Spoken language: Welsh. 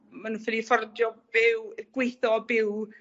ma' nw ffili affordio byw yy gweitho a byw